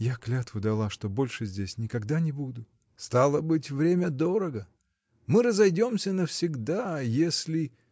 Я клятву дала, что больше здесь никогда не буду! — Стало быть, время дорого. Мы разойдемся навсегда, если.